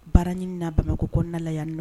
Baara ɲiniina bamakɔ ko nalaya